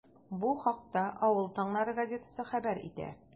Бу хакта “Авыл таңнары” газетасы хәбәр итә.